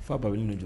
Fa b bɛ n jɔ